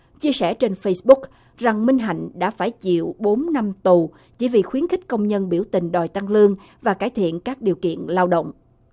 chia sẻ trên phây búc rằng minh hạnh đã phải chịu bốn năm tù chỉ vì khuyến khích công nhân biểu tình đòi tăng lương và cải thiện các điều kiện lao động